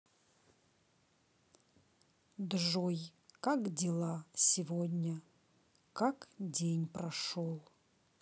джой как дела сегодня как день прошел